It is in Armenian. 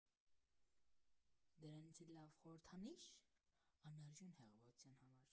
Դրանից էլ լավ խորհրդանի՞շ անարյուն հեղափոխության համար։